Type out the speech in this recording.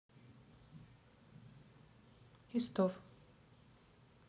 истов